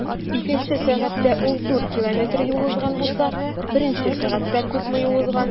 Икенче сәгатьтә ул 4 км юл узган булса, беренче сәгатьтә күпме юл узган?